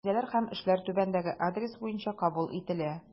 Гаризалар һәм эшләр түбәндәге адрес буенча кабул ителә.